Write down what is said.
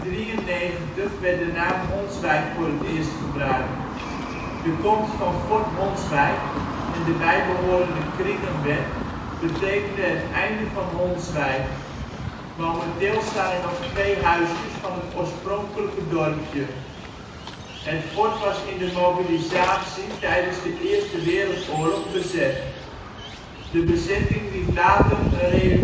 In 1393 werd de naam Honswijk voor het eerst gebruikt. De komst van Fort Honswijk en de bijhorende kringenwet betekende het einde van Honswijk. Momenteel staan er nog twee huisjes van het oorspronkelijke dorpje. Het fort was in de mobilisatie tijdens de Eerste Wereldoorlog bezet. De bezetting liet later een